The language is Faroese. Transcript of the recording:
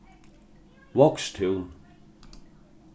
vágstún